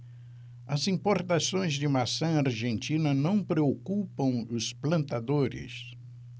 as importações de maçã argentina não preocupam os plantadores